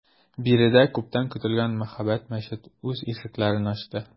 Биредә күптән көтелгән мәһабәт мәчет үз ишекләрен ачты.